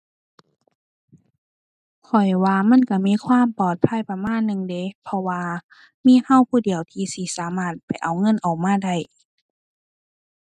ข้อยว่ามันก็มีความปลอดภัยประมาณหนึ่งเดะ เพราะว่ามีก็ผู้เดียวที่สิสามารถไปเอาเงินออกมาได้